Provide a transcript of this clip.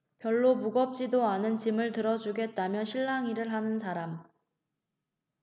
별로 무겁지도 않은 짐을 들어주겠다며 실랑이 하는 사람